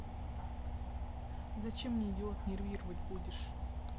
зачем мне идиот нервировать будешь